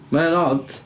Mae o'n od.